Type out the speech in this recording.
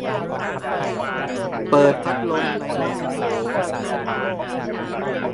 เปิดพัดลมในห้องโถง